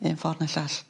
un ffor ne' llall.